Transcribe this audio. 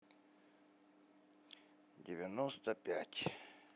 девяносто пять